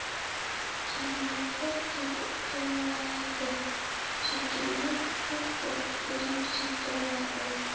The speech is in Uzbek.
karimulla tepib qoladi shekilli deb qo'rqib o'zini chetga oldi